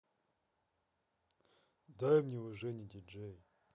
дай мне уже не dj